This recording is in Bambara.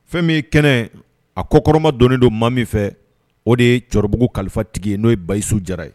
Fɛn min ye kɛnɛ a ko kɔrɔma donen don maa min fɛ o de ye cɛrɔbabugu kalifatigi ye n'o ye Baysisu jara ye.